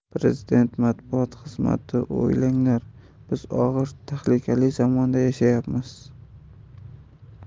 prezident matbuot xizmatio'ylanglar biz og'ir tahlikali zamonda yashayapmiz